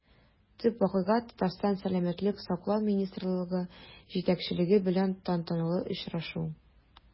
Төп вакыйга – Татарстан сәламәтлек саклау министрлыгы җитәкчелеге белән тантаналы очрашу.